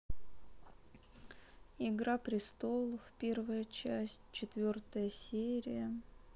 игра престолов первая часть четвертая серия